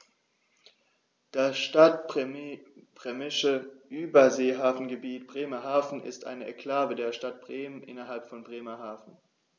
Das Stadtbremische Überseehafengebiet Bremerhaven ist eine Exklave der Stadt Bremen innerhalb von Bremerhaven.